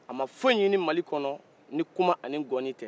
a ma foyi ɲini mali kɔnɔ ni kuma ani gɔni tɛ